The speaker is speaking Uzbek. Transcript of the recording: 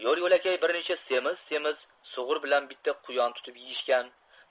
yo'l yo'lakay bir necha semiz semiz sug'ur bilan bitta quyon tutib yeyishgan